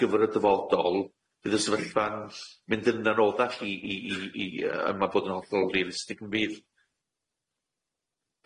gyfer y dyfodol bydd y sefyllfa'n mynd yn anoddach i i i i yy yym a bod yn hollol realistig on' bydd?